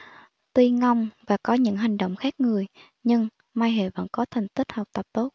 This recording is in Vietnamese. tuy ngông và có những hành động khác người nhưng mai huệ vẫn có thành tích học tập tốt